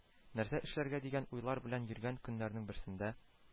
Нәрсә эшләргә дигән уйлар белән йөргән көннәрнең берсендә,